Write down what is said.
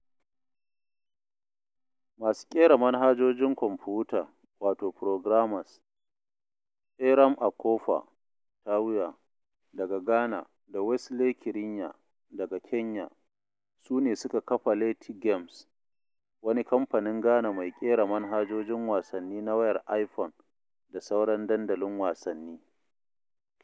Masu ƙera manhajojin kwamfuta, wato programmers, Eyram Akorfa Tawiah daga Ghana da Wesley Kirinya daga Kenya, su ne suka kafa Leti Games, wani kamfanin Ghana mai ƙera manhajojin wasanni na wayar iPhone da sauran dandalolin wasanni.